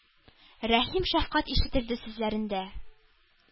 Рәхим, шәфкать ишетелде сүзләрендә.